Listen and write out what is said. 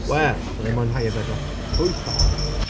Wel oedd e'n mwynhau e gyda llwyth ohonyn nhw.